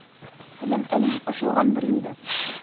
Телем «әни» дип ачылгангадыр инде.